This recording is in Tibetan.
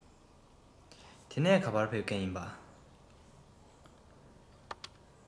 དེ ནས ག པར ཕེབས མཁན ཡིན པྰ